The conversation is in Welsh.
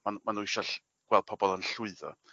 ma' n'w ma' n'w isio ll- gweld pobol yn llwyddo.